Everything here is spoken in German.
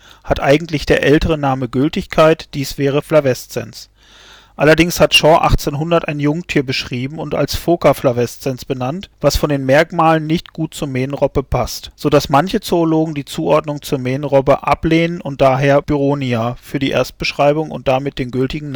hat eigentlich der ältere Name Gültigkeit, dies wäre flavescens. Allerdings hat Shaw 1800 ein Jungtier beschrieben und als Phoca flavescens benannt, das von den Merkmalen nicht gut zur Mähnenrobbe passt, so dass manche Zoologen die Zuordnung zur Mähnenrobbe ablehnen und daher byronia für die Erstbeschreibung und damit den gültigen